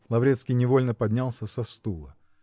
Лаврецкий невольно поднялся со стула